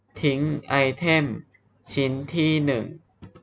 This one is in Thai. ทิ้งไอเทมชิ้นที่หนึ่ง